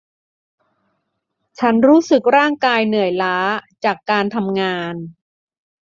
ฉันรู้สึกร่างกายเหนื่อยล้าจากการทำงาน